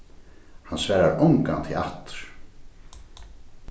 hann svarar ongantíð aftur